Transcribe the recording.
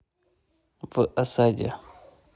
в осаде